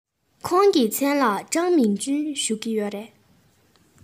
ཁོང གི མཚན ལ ཀྲང མིང ཅུན ཞུ གི ཡོད རེད